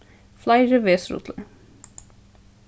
fleiri vesirullur